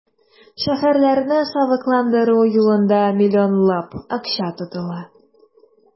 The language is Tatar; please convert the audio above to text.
Шәһәрләрне савыкландыру юлында миллионлап акча тотыла.